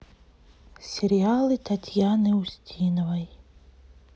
сериалы татьяны устиновой